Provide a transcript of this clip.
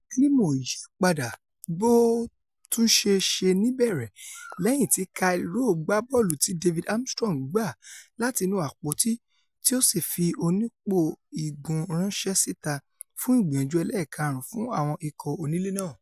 Climo yí padà, bí ó tunṣe ṣe n’ibẹ̀rẹ̀, lẹ́yìn tí Kyle Rowe gba bọ́ọ̀lù ti David Armstrong gbá lati inú apoti tí ó sì fi onípò-igun ránṣẹ́ síta fún ìgbìyànjú ẹlẹẹ̀kaàrún fun àwọn ikọ̀ onílé náà.